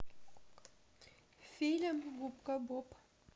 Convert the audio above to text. фильм губка боб